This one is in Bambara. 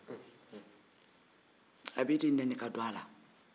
a b'e de nɛni ka don a la